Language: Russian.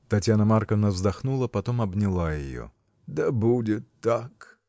Татьяна Марковна вздохнула, потом обняла ее. — Да будет так!